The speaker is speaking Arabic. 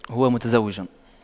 هو متزوج